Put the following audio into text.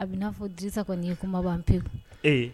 A bɛ n'a fɔ disa kɔni ye kumabanan pe